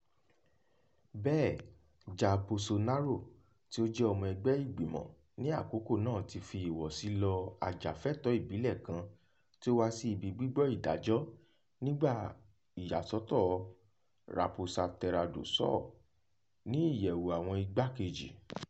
Bẹ́ẹ̀, Jair Bolsonaro tí ó jẹ́ ọmọ ẹgbẹ́ ìgbìmọ̀ ní àkókò náà ti fi ìwọ̀sí lọ ajàfẹ́tọ̀ọ́ ìbílẹ̀ kan tí ó wá sí ibi gbígbọ́ ìdájọ́ nípa ìyàsọ́tọ̀ Raposa Terra do Sol ní ìyẹ̀wù àwọn igbá-kejì.